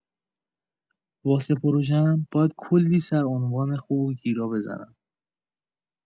واسه پروژه‌م، باید کلی سرعنوان خوب و گیرا بزنم.